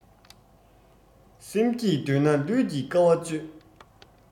སེམས སྐྱིད འདོད ན ལུས ཀྱི དཀའ བ སྤྱོད